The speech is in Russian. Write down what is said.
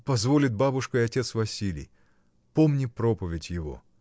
позволит бабушка и отец Василий. Помни проповедь его.